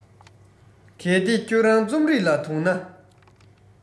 གལ ཏེ ཁྱོད རང རྩོམ རིག ལ དུངས ན